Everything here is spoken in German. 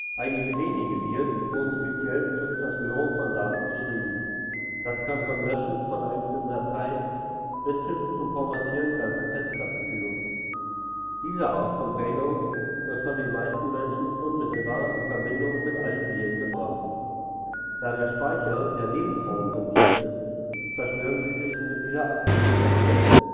Einige wenige Viren wurden speziell zur Zerstörung von Daten geschrieben. Das kann vom Löschen von einzelnen Dateien bis hin zum Formatieren ganzer Festplatten führen. Diese Art von Payload wird von den meisten Menschen unmittelbar in Verbindung mit allen Viren gebracht. Da der Speicher der „ Lebensraum “von Viren ist, zerstören sie sich mit diesen Aktionen oft selbst